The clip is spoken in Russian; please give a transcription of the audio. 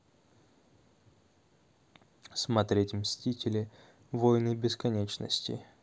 смотреть мстители войны бесконечности